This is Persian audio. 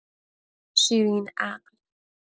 شیرین‌عقل